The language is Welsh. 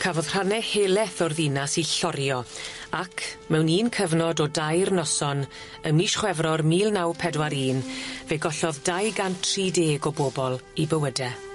Cafodd rhanne heleth o'r ddinas 'u llorio ac mewn un cyfnod o dair noson ym mish Chwefror mil naw pedwar un fe gollodd dau gant tri deg o bobol 'u bywyde.